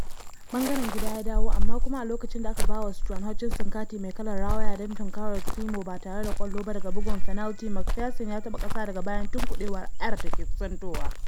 Ɓangaren gidan ya dawo, amma, kuma a lokacin da aka bawa Struan Hutchinson kati me kalar rawaya don tunkarar Climo ba tare da ƙwallo ba, daga bugun fenalti, MacPherson ya taɓa ƙasa daga bayan tunkuɗewar Ayr da ke kusantowa.